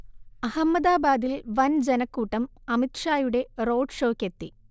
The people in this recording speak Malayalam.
അഹമ്മദാബാദിൽ വൻ ജനക്കൂട്ടം അമിത്ഷായുടെ റോഡ് ഷോയ്ക്കെത്തി